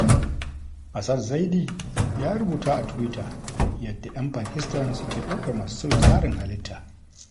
Asad Zaidi ya rubuta a Tuwita yadda 'yan Pakistan suke ɗaukar masu sauya tsarin halitta: